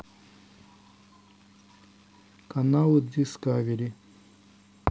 каналы дискавери